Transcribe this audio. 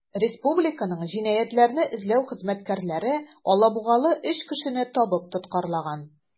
Республиканың җинаятьләрне эзләү хезмәткәрләре алабугалы 3 кешене табып тоткарлаган.